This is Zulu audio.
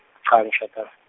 cha angishada-.